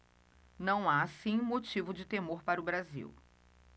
não há assim motivo de temor para o brasil